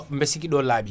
ba sikki ɗon laɓi